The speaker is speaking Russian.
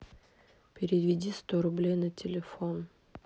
переведи сто рублей на телефон